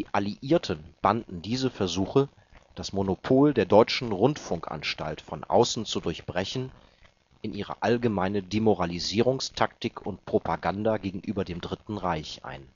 Alliierten banden diese Versuche, das Monopol der deutschen Rundfunkanstalt von außen zu durchbrechen, in ihre allgemeine Demoralisierungstaktik und Propaganda gegenüber dem Dritten Reich ein